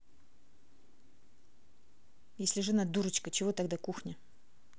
если жена дурочка чего тогда кухни